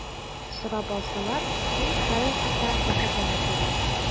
Сорап алсалар, мин һәрвакытта рәхәтләнеп бирәм.